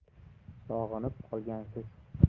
sog'inib qolgansiz